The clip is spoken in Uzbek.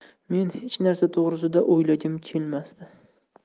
men hech narsa to'g'risida o'ylagim kelmasdi